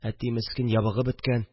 Әти мескен ябыгып беткән